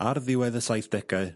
Ar ddiwedd y saith degau...